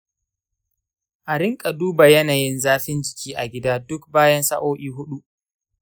a rinka duba yanayin zafin jiki a gida duk bayan sa'o'i hudu.